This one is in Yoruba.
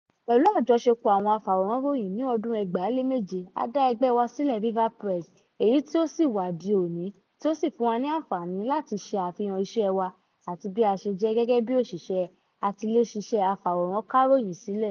Pẹ̀lú àjọṣepọ̀ àwọn afawọ̀ran-ròyìn ní ọdún 2007 , a dá ẹgbẹ́ wa sílẹ̀, RIVA PRESS, eyí tí ó ṣì wà di òní tí ó sì ń fún ní àńfààní láti ṣàfihàn iṣẹ́ wa àti bí a ṣe jẹ́ gẹ́gẹ́ bi òṣìṣẹ́ atilé-ṣiṣẹ́ afàwòrán ká ìròyìn sílẹ̀.